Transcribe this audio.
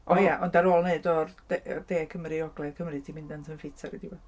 O ia, ond ar ôl wneud o'r, o- d- De Cymru i Ogledd Cymru, ti'n mynd yn ffit ar y diwedd.